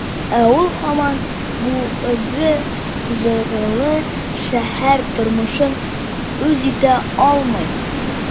Ә ул һаман бу ыгы-зыгылы шәһәр тормышын үз итә алмый.